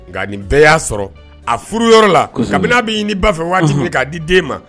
Nka nin bɛɛ y'a sɔrɔ, a furu yɔrɔ la, kabini n'a bɛ ɲini ba fɛ waati min k'a di den ma